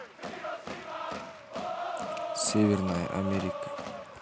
северная америка